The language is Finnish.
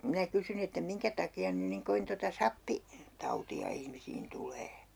minä kysyin että minkä takia nyt niin kovin tuota - sappitautia ihmisiin tulee